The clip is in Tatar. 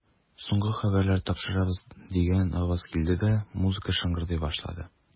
Соңгы хәбәрләр тапшырабыз, дигән аваз килде дә, музыка шыңгырдый башлады.